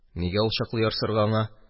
Нигә ул чаклы ярсырга аңа